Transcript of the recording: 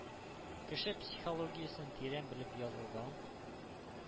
Кеше психологиясен тирән белеп язылган